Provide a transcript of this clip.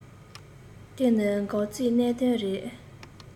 དེ ནི འགག རྩའི གནད དོན རེད